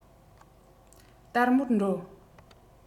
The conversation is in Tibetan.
དལ མོར འགྲོ